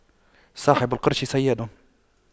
صاحب القرش صياد